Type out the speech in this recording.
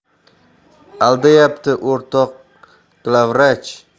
aldayapti o'rtoq glavvrach